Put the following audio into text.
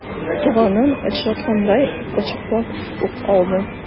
Туганын очраткандай кочаклап ук алды.